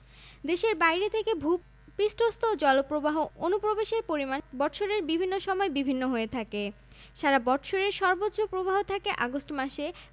পেশাজীবী কারিগরঃ আর্টিসেন্স কামার কুমার তাঁতি দর্জি ময়রা সূত্রধর সুতার কলু তেলী কাঁসারু শাঁখারি স্বর্ণকার ঘরামি করাতি পাটিয়াল